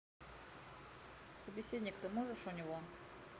собеседник ты можешь у него